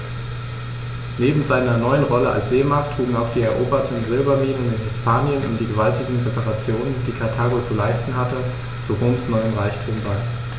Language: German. Neben seiner neuen Rolle als Seemacht trugen auch die eroberten Silberminen in Hispanien und die gewaltigen Reparationen, die Karthago zu leisten hatte, zu Roms neuem Reichtum bei.